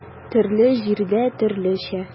Төрле җирдә төрлечә.